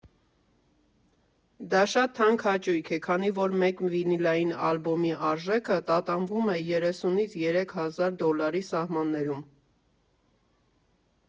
Դա շատ թանկ հաճույք է, քանի որ մեկ վինիլային ալբոմի արժեքը տատանվում է երեսունից երեք հազար դոլարի սահմաններում։